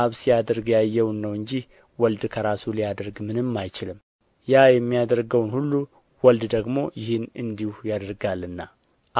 አብ ሲያደርግ ያየውን ነው እንጂ ወልድ ከራሱ ሊያደርግ ምንም አይችልም ያ የሚያደርገውን ሁሉ ወልድ ደግሞ ይህን እንዲሁ ያደርጋልና